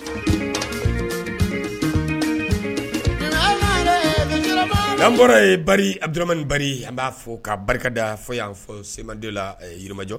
Bɔra yemani an b'a fɔ ka barika da fɔ y' fɔ sɛden la jirijɔ